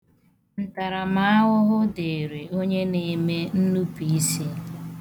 Ntaramahụhụ dịrị onye na-eme nnupuisi.